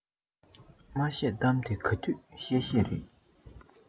མ བཤད གཏམ དེ ག དུས བཤད བཤད རེད